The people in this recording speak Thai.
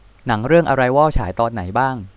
หนังเรื่องอะไรวอลฉายตอนไหนบ้าง